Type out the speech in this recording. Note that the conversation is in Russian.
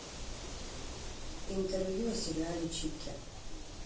интервью о сериале чики